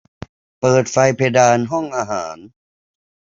เปิดไฟเพดานห้องอาหาร